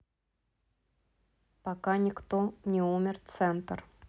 пока никто не умер центр